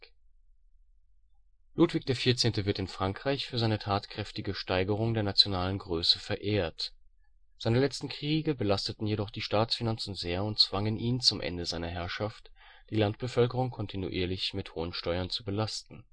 Ludwig XIV. wird in Frankreich für seine tatkräftige Steigerung der nationalen Größe verehrt. Seine letzten Kriege belasteten jedoch die Staatsfinanzen sehr und zwangen ihn, zum Ende seiner Herrschaft, die Landbevölkerung kontinuierlich mit hohen Steuern zu belasten